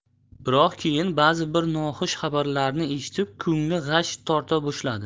biroq keyin bazi bir noxush xabarlarni eshitib ko'ngli g'ash torta boshladi